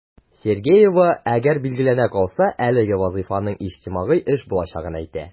Сергеева, әгәр билгеләнә калса, әлеге вазыйфаның иҗтимагый эш булачагын әйтә.